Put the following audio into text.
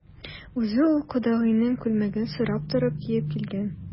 Үзе ул кодагыеның күлмәген сорап торып киеп килгән.